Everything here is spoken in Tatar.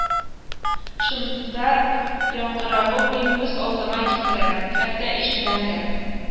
Шында яңгыравын мин күз алдыма китерәм, хәтта ишетәм дә